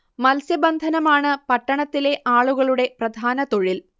മത്സ്യബന്ധനമാണ് പട്ടണത്തിലെ ആളുകളുടെ പ്രധാന തൊഴിൽ